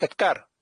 Edgar?